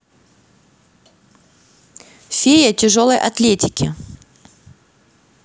фея тяжелой атлетики